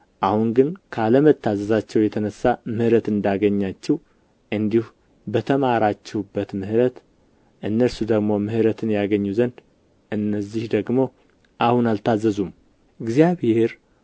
አሁን ግን ከአለመታዘዛቸው የተነሣ ምሕረት እንዳገኛችሁ እንዲሁ በተማራችሁበት ምሕረት እነርሱ ደግሞ ምሕረትን ያገኙ ዘንድ እነዚህ ደግሞ አሁን አልታዘዙም እግዚአብሔር